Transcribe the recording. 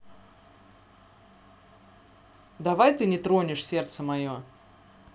давай ты не тронешь сердце мое